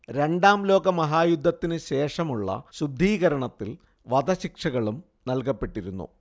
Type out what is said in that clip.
രണ്ടാം ലോക മഹായുദ്ധത്തിനു ശേഷമുള്ള ശുദ്ധീകരണത്തിൽ വധശിക്ഷകളും നൽകപ്പെട്ടിരുന്നു